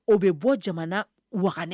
O bɛ bɔ jamana waɛ